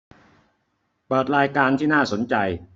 เปิดรายการที่น่าสนใจ